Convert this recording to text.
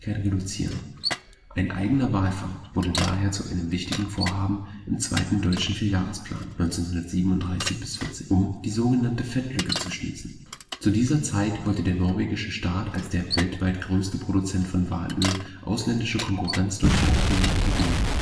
reduzieren. Ein eigener Walfang wurde daher zu einem wichtigen Vorhaben im zweiten deutschen Vierjahresplan 1937 – 40, um die so genannte Fettlücke zu schließen. Zu dieser Zeit wollte der norwegische Staat als der weltweit größte Produzent von Walöl ausländische Konkurrenz durch Verordnungen unterbinden